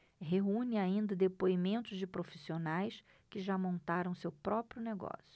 reúne ainda depoimentos de profissionais que já montaram seu próprio negócio